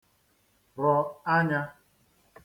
rọ̀ anya